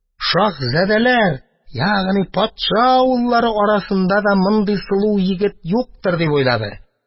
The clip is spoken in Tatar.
«шәһзадәләр, ягъни патша уллары, арасында да мондый сылу егет юктыр», – дип уйлады.